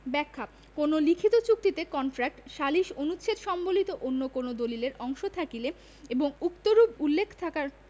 ব্যাখ্যাঃ কোন লিখিত চুক্তিতে কন্ট্রাক্ট সালিস অনুচ্ছেদ সম্বলিত অন্য কোন দালিলের অংশ থাকিলে এবং উক্তরূপ উল্লেখ থাকার